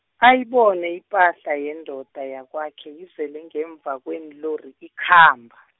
ayibone ipahla yendoda yakwakhe izele ngemva kweenlori ikhamba.